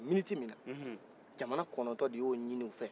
a bɛ kɛ miniti mina jamana kɔnɔtɔ de ye ɲinin u fɛ